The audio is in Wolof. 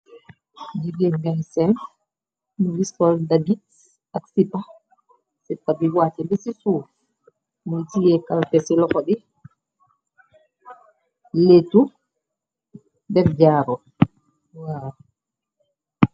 jigéen gaay seem mongi sool dagit ak sipa sipa bi wacca be ci suuf muy iye kalpe ci loxo bi léetu def jaaro waw.